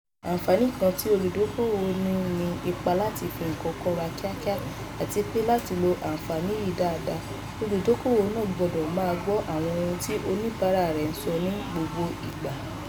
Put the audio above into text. Àǹfààní kan tí olùdókoòwò ní ni ipá láti fi nǹkan kọ̀ra kíákíá, àti pé láti lo àǹfààní yìí daada olùdókoòwò náà gbọ́dọ̀ máa gbọ́ àwọn ohun tí oníbàárà rẹ ń sọ ní gbogbo ìgbà.